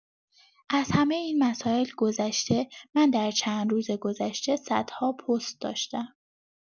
از همه این مسائل گذشته من در چند روز گذشته صدها پست داشتم.